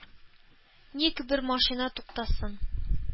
– ник бер машина туктасын.